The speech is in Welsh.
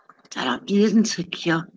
Doedd 'na'm byd yn tycio.